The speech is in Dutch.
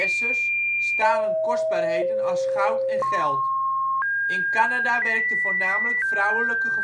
SS'ers stalen kostbaarheden als goud en geld. In Kanada werkten voornamelijk vrouwelijke